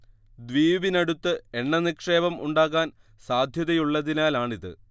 ദ്വീപിനടുത്ത് എണ്ണ നിക്ഷേപം ഉണ്ടാകാൻ സാദ്ധ്യതയുള്ളതിനാലാണിത്